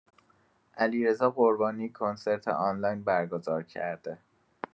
علیرضا قربانی کنسرت آنلاین برگزار کرده!